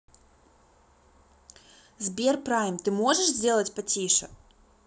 сберпрайм ты можешь сделать потише